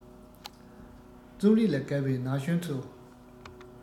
རྩོམ རིག ལ དགའ བའི ན གཞོན ཚོ